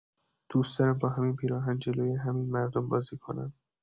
دوست دارم با همین پیراهن، جلوی همین مردم بازی کنم.